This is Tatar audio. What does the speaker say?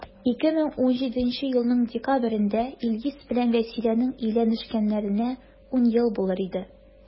2017 елның декабрендә илгиз белән вәсиләнең өйләнешкәннәренә 10 ел булыр иде.